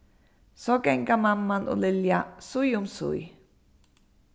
so ganga mamman og lilja síð um síð